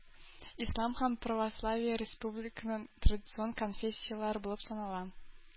Ислам һәм православие республиканың традицион конфессияләре булып санала.